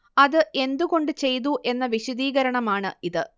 അതു എന്തു കൊണ്ട് ചെയ്തു എന്ന വിശദീകരണം ആണ് ഇത്